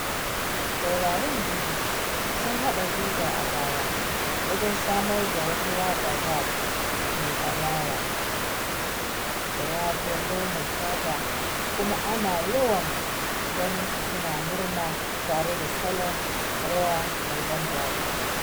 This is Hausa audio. Taurarin biyu sun haɗa gwiwa a baya wajen samar da wata waƙar rap mai adawa da wariyar launin fata kuma ana yawan ganinsu suna murna tare da salon rawa mai ban dariya.